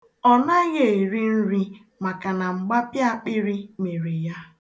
Ọ naghị eri nri maka na mgbapịaakpịrị mere ya.